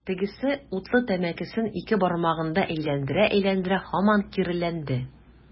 Тегесе, утлы тәмәкесен ике бармагында әйләндерә-әйләндерә, һаман киреләнде.